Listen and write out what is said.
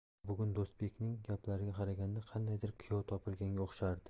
ammo bugun do'stbekning gaplariga qaraganda qandaydir kuyov topilganga o'xshardi